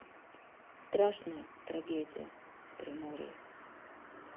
страшная трагедия в приморье